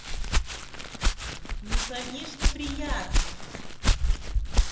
ну конечно приятно